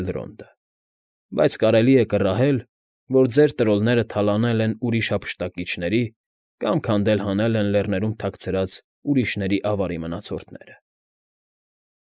Էլրոնդը,֊ բայց կարելի է կռահել, որ ձեր տրոլները թալանել են ուրիշ հափշտակիչների կամ քանդել հանել են լեռներում թաքցրած ուրիշների ավարի մնացորդները։